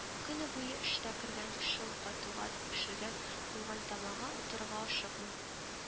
Көне буе эштә кергән кеше ул кайтуга дип пешергән куйган тәгамга утырыга ашыкмый